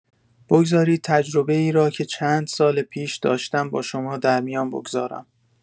بگذارید تجربه‌ای را که چند سال پیش داشتم با شما در میان بگذارم.